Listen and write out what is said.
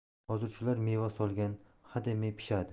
hozir shular meva solgan hademay pishadi